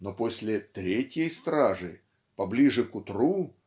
Но после "третьей стражи" поближе к утру